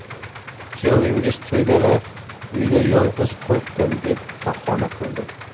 kuyovingiz to'ydalar uyda yolg'iz qo'rqdim deb bahona qildi